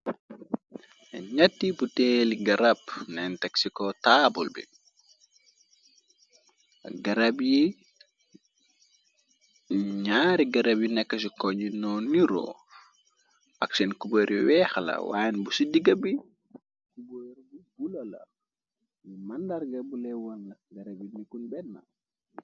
Ñatti bu teeli garab neen taxsiko taabul bi garab yi ñaari garab yi neksi koñu no niro ak seen kuber yu weexala wayn bu ci diggabi kuboor bu bula la nu màndarga bu lewoon l garab yi nikun benn.